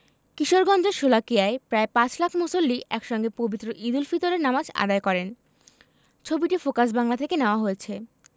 কিশোরগঞ্জের শোলাকিয়ায় প্রায় পাঁচ লাখ মুসল্লি একসঙ্গে পবিত্র ঈদুল ফিতরের নামাজ আদায় করেন ছবিটি ফোকাস বাংলা থেকে নেয়া হয়েছে